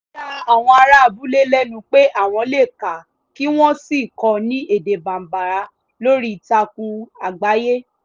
Ó ya àwọn ará abúlé lẹ́nu pé àwọn lè kà kí wọ́n sì kọ ní èdè Bambara lórí Ìtakùn àgbáyé!